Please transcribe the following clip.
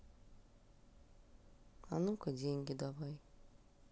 а ну ка деньги давай